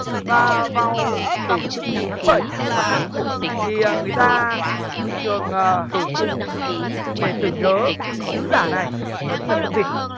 và vào rằm tháng bảy hàng năm thì à người ta thường à cúng để tưởng nhớ cái vị sứ giả này đó chính là con vịt